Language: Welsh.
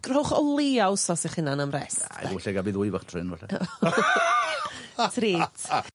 Rhowch o leia wsos i'ch hunan am rest. Na, walle gaf fi ddwy fach tro 'yn falle. Treat.